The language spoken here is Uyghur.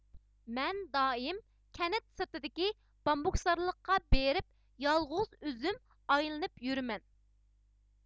مەن دائىم كەنت سىرتىدىكى بامبۇكزارلىققا بېرىپ يالغۇز ئۆزۈم ئايلىنىپ يۈرىمەن